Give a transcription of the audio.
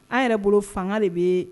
An yɛrɛ bolo fanga de bɛ yen